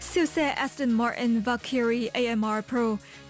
siêu xe a sừn mo en va kia ri ây em ma pờ rô